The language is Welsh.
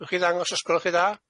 Rhowch chi ddangos os gwelwch chi dda?